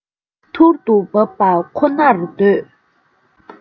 ཐུར དུ འབབ པ ཁོ ནར འདོད